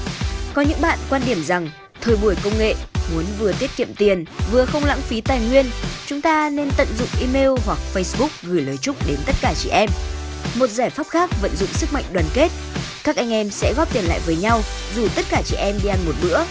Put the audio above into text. có những bạn quan điểm rằng thời buổi công nghệ muốn vừa tiết kiệm tiền vừa không lãng phí tài nguyên chúng ta nên tận dụng i meo hoặc phây búc gửi lời chúc đến tất cả chị em một giải pháp khác vận dụng sức mạnh đoàn kết các anh em sẽ góp tiền lại với nhau rủ tất cả chị em đi ăn một bữa